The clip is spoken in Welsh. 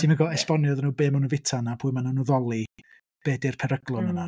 Ti'm yn gorfod esbonio iddyn nhw be maen nhw'n fyta 'na pwy maen nhw'n addoli be 'di'r peryglon... mm. ...yna.